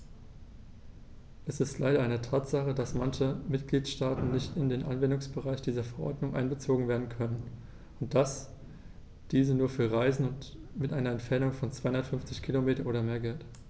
Es ist leider eine Tatsache, dass manche Mitgliedstaaten nicht in den Anwendungsbereich dieser Verordnung einbezogen werden können und dass diese nur für Reisen mit einer Entfernung von 250 km oder mehr gilt.